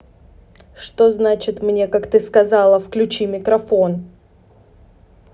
что значит мне как ты сказала включи микрофон